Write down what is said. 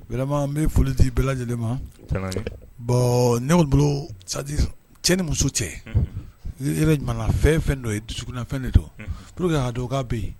Walima bɛ foli di bɛɛ lajɛlen ma bɔn ne' bolodi ti ni muso cɛ jamana fɛn fɛn don dusuna fɛn de to p que ka bɛ yen